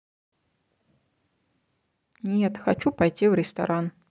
нет хочу пойти в ресторан